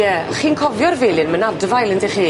Ie, chi'n cofio'r felin, ma'n adfail yndych chi?